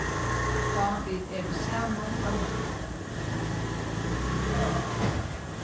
tá vit eru saman av røttum